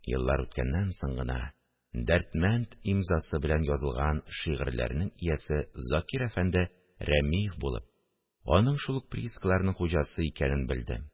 Еллар үткәннән соң гына «Дәрдмәнд» имзасы белән язылган шигырьләрнең иясе Закир әфәнде Рәмиев булып, аның шул ук приискаларның хуҗасы икәнен белдем